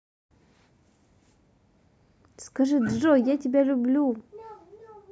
скажи джой я тебя люблю